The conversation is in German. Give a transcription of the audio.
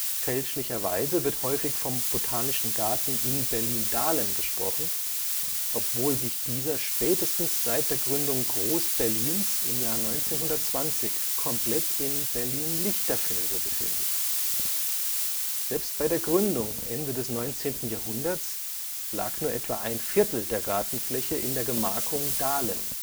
Fälschlicherweise wird häufig vom Botanischen Garten in Berlin-Dahlem gesprochen, obwohl sich dieser spätestens seit der Gründung Groß-Berlins im Jahr 1920 komplett in Berlin-Lichterfelde befindet. Selbst bei der Gründung Ende des 19. Jahrhunderts lag nur etwa ein Viertel der Gartenfläche in der „ Gemarkung Dahlem